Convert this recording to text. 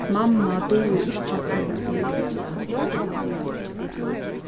mamma dugir ikki at koyra bil